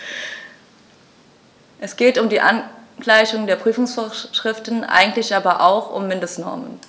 Es geht um die Angleichung der Prüfungsvorschriften, eigentlich aber auch um Mindestnormen.